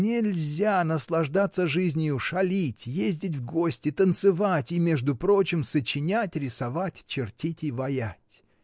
Нельзя наслаждаться жизнию, шалить, ездить в гости, танцевать и, между прочим, сочинять, рисовать, чертить и ваять.